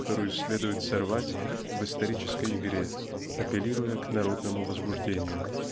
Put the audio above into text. которую следует сорвать в исторической игре апеллируя к народному возбуждению.